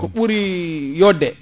ko ɓuuri yodde